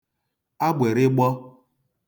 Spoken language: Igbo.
agbị̀rịgbọ